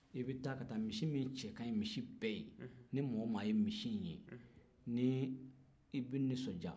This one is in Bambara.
i bɛ taa misi min ɲɛkaɲi ka tɛmɛ misi bɛɛ ye ni maa o maa ye misi in ye n'i bɛ nisɔndiya